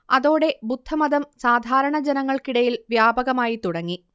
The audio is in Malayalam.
അതോടെ ബുദ്ധമതം സാധാരണ ജനങ്ങൾക്കിടയിൽ വ്യാപകമായിത്തുടങ്ങി